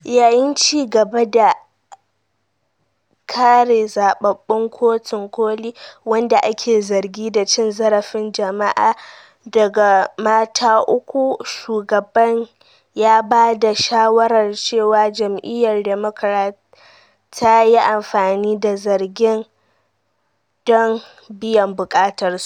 Yayin ci gaba da kare zababbun Kotun Koli, wanda ake zargi da cin zarafin jima’i daga mata uku, shugaban ya bada shawarar cewa jam'iyyar Democrat ta yi amfani da zargin don biyan bukatar su.